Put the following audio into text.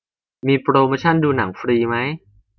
มีโปรโมชันดูหนังฟรีมั้ย